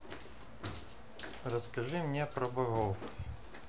расскажи мне про богов